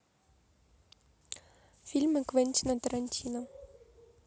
фильмы квентина тарантино